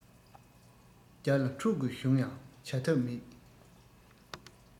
བརྒྱ ལ འཁྲུག དགོས བྱུང ཡང བྱ ཐབས མེད